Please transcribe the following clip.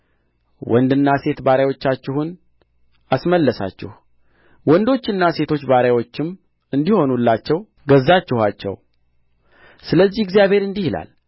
ወንድና ሴት ባሪያዎቻችሁን አስመለሳችሁ ወንዶችና ሴቶች ባሪያዎችም እንዲሆኑላችሁ ገዛችኋቸው ስለዚህ እግዚአብሔር እንዲህ ይላል